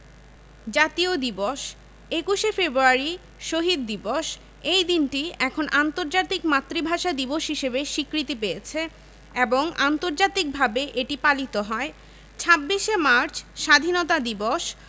জাতীয় দিবসঃ ২১শে ফেব্রুয়ারি শহীদ দিবস এই দিনটি এখন আন্তর্জাতিক মাতৃভাষা দিবস হিসেবে স্বীকৃতি পেয়েছে এবং আন্তর্জাতিকভাবে এটি পালিত হয় ২৬শে মার্চ স্বাধীনতা দিবস